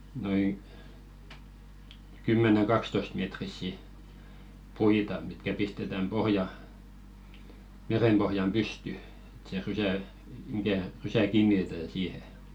noin kymmenen kaksitoistametrisiä puita mitkä pistetään pohjaan merenpohjaan pystyyn että se rysä mikä rysä kiinnitetään siihen